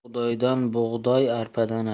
bug'doydan bug'doy arpadan arpa